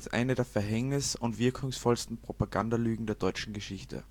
eine der verhängnis - und wirkungsvollsten Propagandalügen der deutschen Geschichte